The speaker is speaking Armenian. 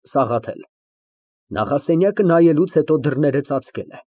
ՍԱՂԱԹԵԼ ֊ (Նախասենյակը նայելուց հետո դռները ծածկում է)